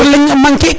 ndaxar leŋ manquer ke